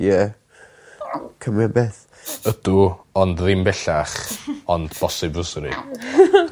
Ie Cymru am byth. Ydw ond ddim bellach. Ond bosib fyswn i.